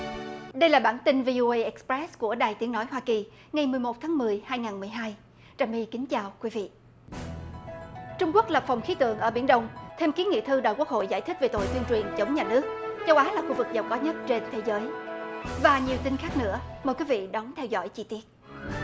đây là bản tin vi ô ây ịch pờ rét của đài tiếng nói hoa kỳ ngày mười một tháng mười hai ngàn mười hai trà my kính chào quý vị trung quốc lập phòng khí tượng ở biển đông thêm kiến nghị thư đòi quốc hội giải thích về tội tuyên truyền chống nhà nước châu á là khu vực giàu có nhất trên thế giới và nhiều tin khác nữa mời quý vị đón theo dõi chi tiết